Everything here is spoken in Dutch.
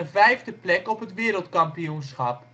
vijfde plek op het wereldkampioenschap